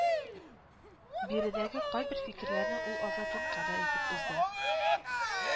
Биредәге кайбер фикерләрне ул Азатлыкка да әйтеп узды